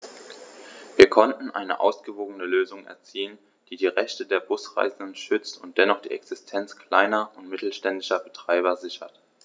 Wir konnten eine ausgewogene Lösung erzielen, die die Rechte der Busreisenden schützt und dennoch die Existenz kleiner und mittelständischer Betreiber sichert.